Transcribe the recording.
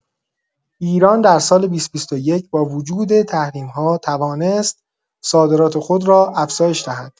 ایران در سال ۲۰۲۱ با وجود تحریم‌ها توانست صادرات خود را افزایش دهد.